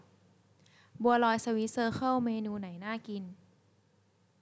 บัวลอยสวีทเซอเคิลเมนูไหนน่ากิน